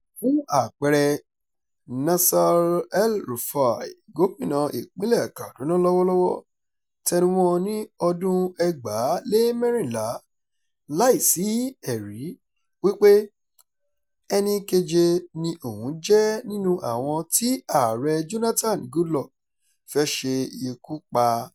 Fún àpẹẹrẹ, Nassir El-Rufai, gómìnà ìpínlẹ̀ẹ Kaduna lọ́wọ́lọ́wọ́ tẹnu mọ́ ọn ní ọdún-un 2014 — láìsí ẹ̀rí — wípé “ẹni kéje ni òun jẹ́ nínú àwọn tí [Ààrẹ Jónátàànì Goodluck] fẹ́ ṣe ikú pa ”.